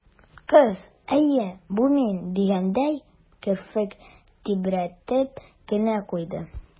Кыз, «әйе, бу мин» дигәндәй, керфек тибрәтеп кенә куйды.